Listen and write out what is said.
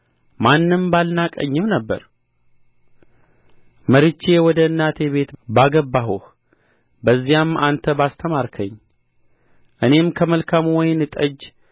ማንም ባልናቀኝም ነበር መርቼ ወደ እናቴ ቤት ባገባሁህ በዚያም አንተ ባስተማርከኝ እኔም ከመልካሙ ወይን ጠጅ